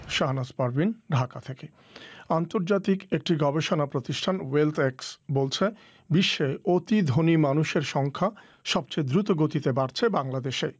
হবেন শাহনাজ পারভীন ঢাকা থেকে আন্তর্জাতিক একটি গবেষণা প্রতিষ্ঠান ওয়েলথ এক্স বলছে বিশ্বের অতি ধনী মানুষের সংখ্যা সবচেয়ে দ্রুত গতিতে বাড়ছে বাংলাদেশ এ